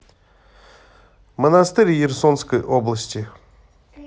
монастырь ерсонской области